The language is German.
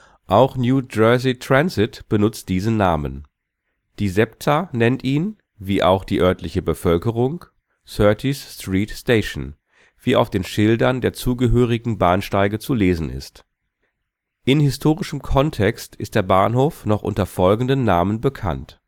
Auch New Jersey Transit benutzt diesen Namen. Die SEPTA nennt ihn – wie auch die örtliche Bevölkerung – 30th Street Station, wie auf den Schildern der zugehörigen Bahnsteige zu lesen ist. In historischem Kontext ist der Bahnhof noch unter folgenden Namen bekannt